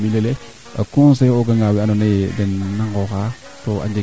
d' accord to foogum suqi feene aussi refee no qol luu dawoona o waago mbax aussi wala